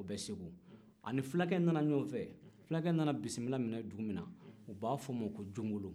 o bɛ segou a ni fulakɛ min nana ɲɔgɔn fɛ fulakɛ in nana bisimila minɛ dugu min na o b'a f'o ma ko jomolo